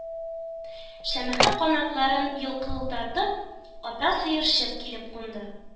Шәмәхә канатларын елкылдатып, ата сыерчык килеп кунды.